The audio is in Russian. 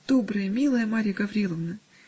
Добрая, милая Марья Гавриловна!